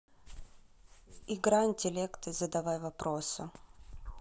игра интеллект задавай вопросы